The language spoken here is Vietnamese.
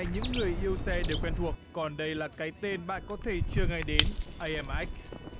những người yêu xe đều quen thuộc còn đây là cái tên bạn có thể chưa nghe đến ây em ách